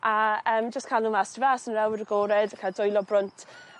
A yym jyst ca'l n'w mas tu fas yn yr awyr agored a ca'l dwylo brwnt